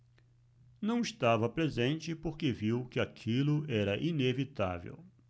não estava presente porque viu que aquilo era inevitável